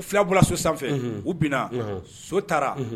Fula bolo so sanfɛ u bɛ so taara